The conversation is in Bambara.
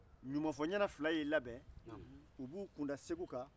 ɲumanfɔ-n-ɲɛna fila y'i labɛn u b'u kunda segu kan